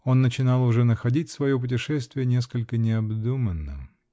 Он начинал уже находить свое путешествие несколько необдуманным.